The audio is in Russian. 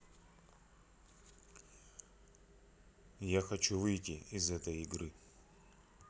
я хочу выйти из этой игры